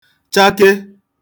chake